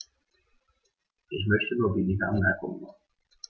Ich möchte nur wenige Anmerkungen machen.